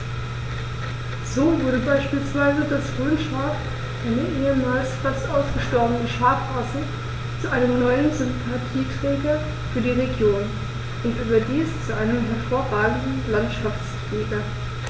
So wurde beispielsweise das Rhönschaf, eine ehemals fast ausgestorbene Schafrasse, zu einem neuen Sympathieträger für die Region – und überdies zu einem hervorragenden Landschaftspfleger.